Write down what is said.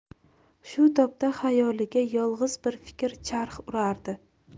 shu topda xayolida yolg'iz bir fikr charx urardi